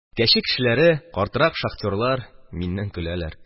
Кәче кешеләре – картрак шахтёрлар – миннән көләләр.